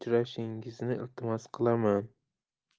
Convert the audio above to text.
uchrashingizni iltimos qilaman